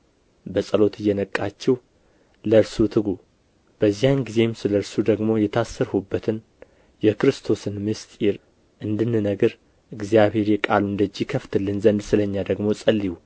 በጸሎት እየነቃችሁ ለእርሱ ትጉ በዚያን ጊዜም ስለ እርሱ ደግሞ የታሰርሁበትን የክርስቶስን ምሥጢር እንድንነግር እግዚአብሔር የቃሉን ደጅ ይከፍትልን ዘንድ ስለ እኛ ደግሞ ጸልዩ